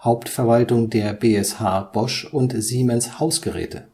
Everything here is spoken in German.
Hauptverwaltung der BSH Bosch und Siemens Hausgeräte